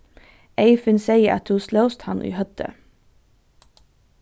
eyðfinn segði at tú slóst hann í høvdið